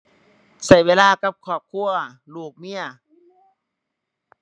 ใช้เวลากับครอบครัว ลูก เมีย